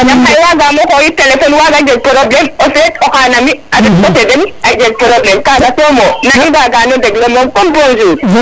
yaam xaye wagamo xoyit téléphone waga njeg probléme o feet oxa na mi a ret qol ke den a jeg probleme kaga somo yaam i mbga no ndegle moom comme bonjour